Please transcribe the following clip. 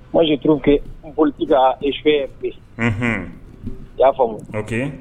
Mazturukɛ noli ka e fɛn bɛ yen i y'a faamu ma